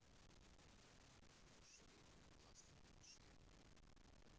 шевели ластами мишели